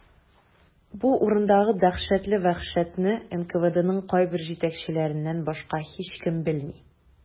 Бу урындагы дәһшәтле вәхшәтне НКВДның кайбер җитәкчеләреннән башка һичкем белми.